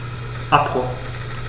Abbruch.